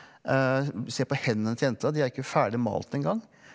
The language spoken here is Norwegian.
se på hendene til jenta de er ikke ferdig malt en gang.